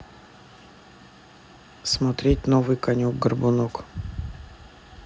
смотреть новый конек горбунок